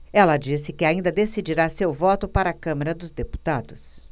ela disse que ainda decidirá seu voto para a câmara dos deputados